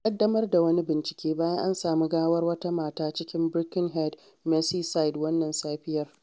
An ƙaddamar da wani bincike bayan an sami gawar wata mata a cikin Birkenhead, Merseyside wannan safiyar.